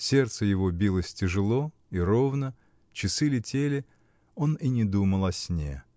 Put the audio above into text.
сердце его билось тяжело и ровно, часы летели, он и не думал о сне.